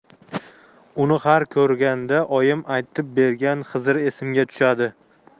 uni har ko'rganda oyim aytib bergan xizr esimga tushadi